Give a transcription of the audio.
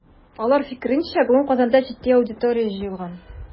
Алар фикеренчә, бүген Казанда җитди аудитория җыелган.